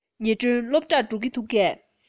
ཉི སྒྲོན སློབ གྲྭར འགྲོ གི འདུག གས